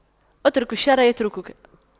اترك الشر يتركك